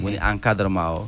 woni encadrement oo